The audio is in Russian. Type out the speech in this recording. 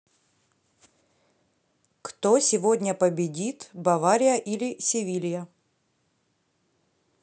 кто сегодня победит бавария или севилья